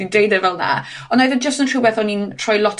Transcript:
fhi'n deud e fel 'na, ond oedd e jyst yn rhywbeth o'n i'n rhoi lot